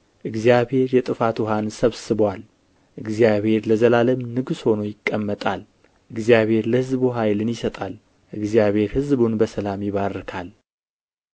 እግዚአብሔር የጥፋት ውኃን ሰብስቦአል እግዚአብሔር ለዘላለም ንጉሥ ሆኖ ይቀመጣል እግዚአብሔር ለሕዝቡ ኃይልን ይሰጣል እግዚአብሔር ሕዝቡን በሰላም ይባርካል